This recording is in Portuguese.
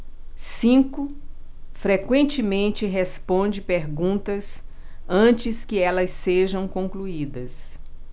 cinco frequentemente responde perguntas antes que elas sejam concluídas